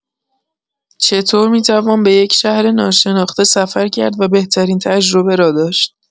چه‌طور می‌توان به یک شهر ناشناخته سفر کرد و بهترین تجربه را داشت؟